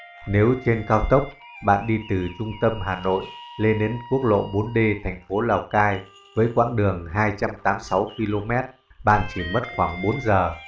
nếu trên cao tốc bạn đi từ trung tâm hà nội lên đến ql d tp lào cai với quãng đường km bạn chỉ mất khoảng giờ